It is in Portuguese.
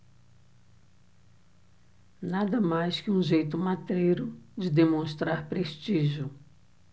nada mais que um jeito matreiro de demonstrar prestígio